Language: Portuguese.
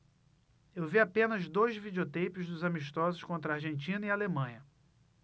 eu vi apenas dois videoteipes dos amistosos contra argentina e alemanha